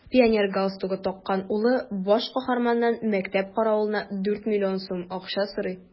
Пионер галстугы таккан улы баш каһарманнан мәктәп каравылына дүрт миллион сум акча сорый.